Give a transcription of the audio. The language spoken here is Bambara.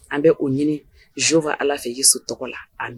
An bɛ o ɲinio' ala fɛissu tɔgɔ la